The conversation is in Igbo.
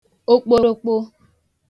okporokpo